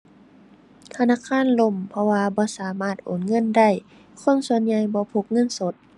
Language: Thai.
ธนาคารล่ม เพราะว่าบ่สามารถโอนเงินได้ คนส่วนใหญ่บ่พกเงินสด